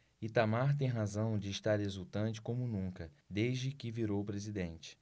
itamar tem razão de estar exultante como nunca desde que virou presidente